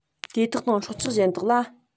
དེ དག དང སྲོག ཆགས གཞན དག ལ